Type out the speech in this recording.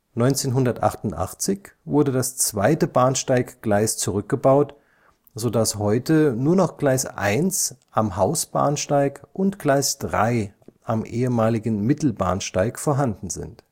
1988 wurde das zweite Bahnsteiggleis zurückgebaut, sodass heute nur noch Gleis 1 am Hausbahnsteig und Gleis 3 am ehemaligen Mittelbahnsteig vorhanden sind